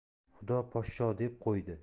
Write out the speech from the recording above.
xudo poshsho deb qo'ydi